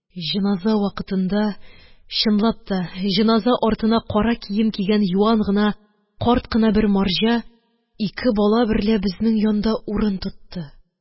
Җеназа вакытында, чынлап та, җеназа артына кара кием кигән юан гына, карт кына бер марҗа ике бала берлә безнең янда урын тотты.